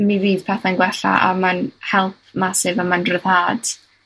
Mi fydd pethau'n gwella a mae'n help massive a mae'n ryddhad